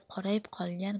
qorayib qolganini